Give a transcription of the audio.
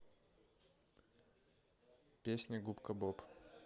песня губка боб